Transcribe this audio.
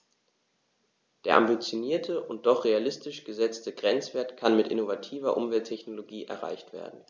Der ambitionierte und doch realistisch gesetzte Grenzwert kann mit innovativer Umwelttechnologie erreicht werden.